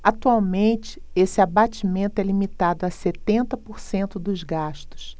atualmente esse abatimento é limitado a setenta por cento dos gastos